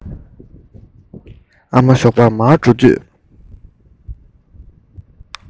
ཨ མ ཞོགས པར མར འགྲོ དུས